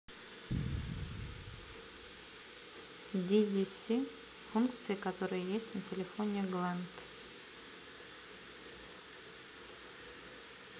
ddc функции которые есть на телефоне глент